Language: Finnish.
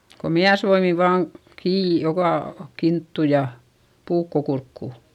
kun miesvoimin vain kiinni joka kinttu ja puukko kurkkuun